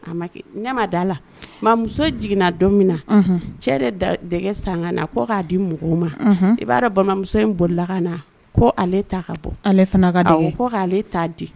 Ne ma da la . Ma muso jiginna don min na cɛ yɛrɛ dɛgɛ san na' ka di mɔgɔw ma i ba dɔn balimamuso in bolila ka na . Ko ale ta ka bɔ .ale fana ka dɛkɛ. Awɔ ko ka ale ta di